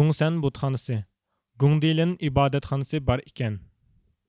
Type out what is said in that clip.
دۇڭسەن بۇدخانىسى گۇڭدېلىن ئىبادەتخانىسى بار ئىكەن